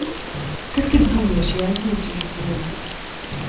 как ты думаешь я один сижу дома